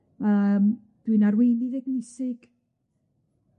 Yym dwi'n arweinydd eglwysig.